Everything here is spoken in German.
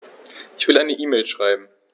Ich will eine E-Mail schreiben.